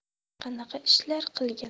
qanaqa ishlar qilgan